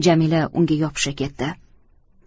jamila unga yopisha ketdi